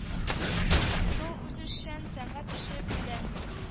Шул үзешчән сәнгать эше беләнме